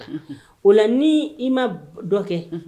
Unhun; Ola la ni i ma dɔ kɛ; Un.